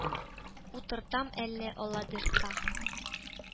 Утыртам әле, аллабирса.